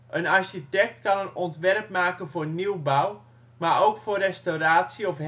Een architect kan een ontwerp maken voor nieuwbouw, maar ook voor restauratie of